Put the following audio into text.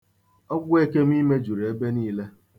Ọgwụ ekemụime juru ahịa niile.